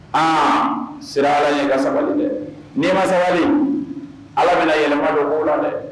Aa sira ala ɲɛka sabali dɛ n ma sabali ala bɛna yɛlɛma dɔ ko la dɛ